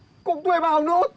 cũng thuê bao nốt